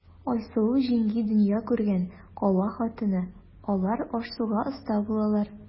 Айсылу җиңги дөнья күргән, кала хатыны, алар аш-суга оста булалар.